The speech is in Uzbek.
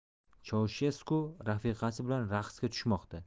chaushesku rafiqasi bilan raqsga tushmoqda